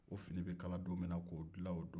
o fini bɛ kalan don min na k'o dilan o don